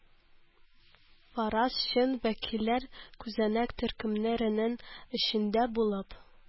Фараз - чын вәкилләр күзәнәк төркемнәренең эчендә булып...